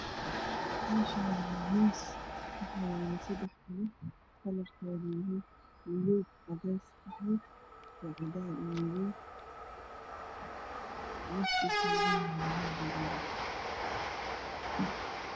Meshani waa miis waxayalo sedax kobo kakarkode yahay madow cades qaxwi io cadan io madow mesha oow saranyahay waa mel cadan ah